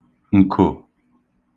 ǹkò